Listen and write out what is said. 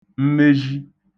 mmezi